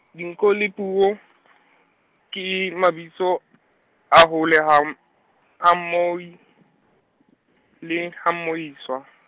dinko le puo , ke mabitso , a hole ha m-, ha mmui, le ha mmuiswa.